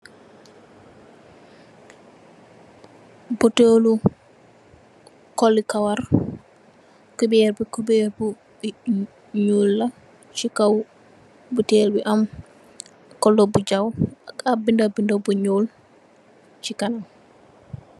Buteelu kulli kawar, kubeer bi kubeer bu nyuul la, ci kaw buteel bi am kola bu jaw, ak binde binde bu nyuul, ci kanam.